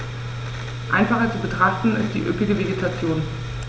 Einfacher zu betrachten ist die üppige Vegetation.